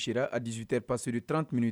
Sera a szoter pasri t tanme